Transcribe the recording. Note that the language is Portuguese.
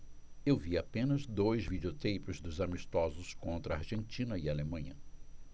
eu vi apenas dois videoteipes dos amistosos contra argentina e alemanha